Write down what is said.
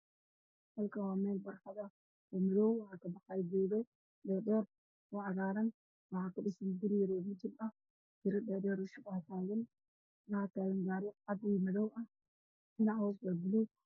Waa laami waxaa ii muuqday gaari cadaan masaajid minaaradiis tahay cadaan geed tallaal oo cagaar ah